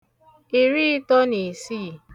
ìriị̄tọ̄ nà ìsiì